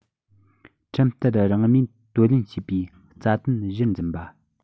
ཁྲིམས ལྟར རང མོས དོད ལེན བྱེད པའི རྩ དོན གཞིར འཛིན པ